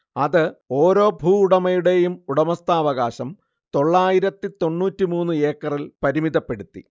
അത് ഓരോ ഭൂവുടമയുടെയും ഉടമസ്ഥാവകാശം തൊള്ളായിരത്തി തൊണ്ണൂറ്റി മൂന്ന് ഏക്കറിൽ പരിമിതപ്പെടുത്തി